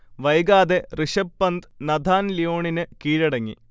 വൈകാതെ ഋഷഭ് പന്ത് നഥാൻ ലിയോണിന് കീഴടങ്ങി